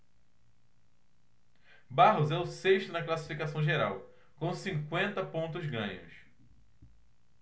barros é o sexto na classificação geral com cinquenta pontos ganhos